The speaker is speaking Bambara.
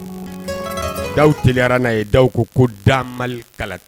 Yara n'a ye da ko ko da kala